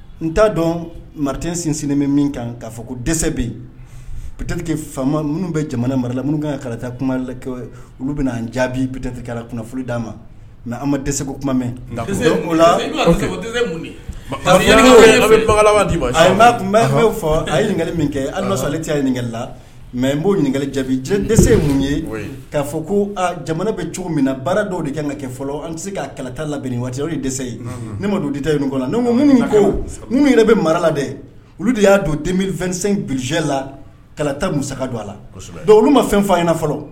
N t'a dɔn mariti sinsin bɛ min kan k'a fɔ ko dɛsɛse bɛ yen bi fa minnu bɛ jamana marala minnu kan kala kumalakɛ olu bɛ anan jaabi bidkɛlalafolo d'a ma nka an ma dɛsɛseko kuma mɛnse laa tun bɛ fɔ' ye nin min kɛ alasa ale ɲininkala mɛ n b'o ɲininka dɛsɛse ye mun ye'a fɔ ko jamana bɛ cogo min na baara dɔw de kɛ ka kɛ fɔlɔ an tɛ se ka kalata la waati o dɛsɛse ye ne ma don dita ɲini kɔnɔ minnu ko n minnu yɛrɛ bɛ mara la dɛ olu de y'a don denmisɛn2sen bijɛ la kalata musajɔ a la don olu ma fɛn fa in fɔlɔ